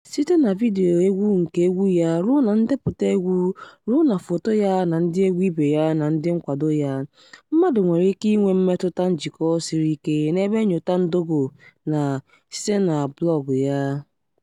Site na vidiyo egwu nke egwu ya ruo na ndepụta egwu ruo na foto ya na ndịegwu ibe ya na ndị nkwado ya, mmadụ nwere ike inwe mmetụta njikọ sịrị ike n'ebe Nyota Ndogo nọ site na blọọgụ ya.